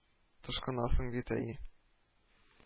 Тышкынасың бит, әй